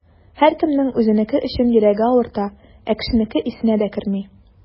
Һәркемнең үзенеке өчен йөрәге авырта, ә кешенеке исенә дә керми.